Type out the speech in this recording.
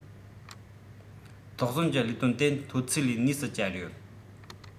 དོགས ཟོན གྱི ལས དོན དེ མཐོ ཚད ལས གནས སུ གྱར ཡོད